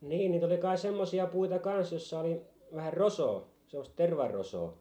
niin niitä oli kai semmoisia puita kanssa jossa oli vähän rosoa semmoista tervanrosoa